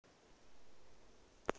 кто ты ты долбоеб